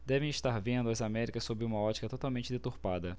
devem estar vendo as américas sob uma ótica totalmente deturpada